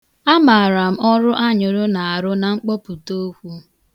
A mara m ọrụ anyụrụ na-arụ na mkpọpụta okwu.